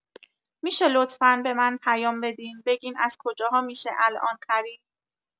می‌شه لطفا به من پیام بدین بگین از کجاها می‌شه الان خرید؟